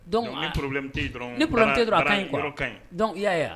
Don poro a ka i y'a wa